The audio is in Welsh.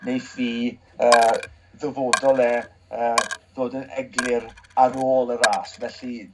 neiff 'i yy ddyfodol e yy ddod yn eglur ar ôl y ras felly